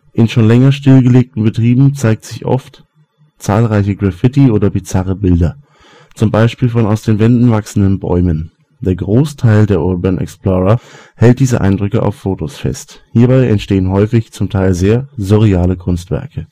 In schon länger stillgelegten Betrieben zeigen sich oft zahlreiche Graffiti oder bizarre Bilder, zum Beispiel von aus den Wänden wachsenden Bäumen. Der Großteil der Urbane explorer hält diese Eindrücke auf Fotos fest. Hierbei entstehen häufig zum Teil sehr surreale Kunstwerke